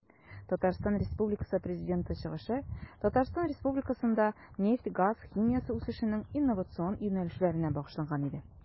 ТР Президенты чыгышы Татарстан Республикасында нефть-газ химиясе үсешенең инновацион юнәлешләренә багышланган иде.